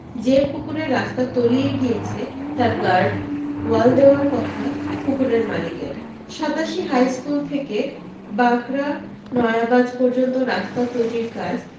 যে পুকুরে রাস্তা তলিয়ে গিয়েছে তার গার্ড ওয়াল দেওয়ার কথা পুকুরের মালিকের সাতাশি হাইস্কুল থেকে বাঁকড়া নয়াবাজ পর্যন্ত রাস্তা তৈরীর কাজ